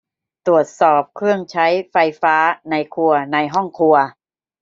ตรวจสอบเครื่องใช้ไฟฟ้าในครัวในห้องครัว